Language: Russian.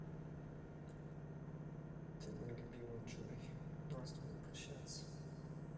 ты моя любимая джой нам с тобой прощаться